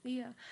Ia.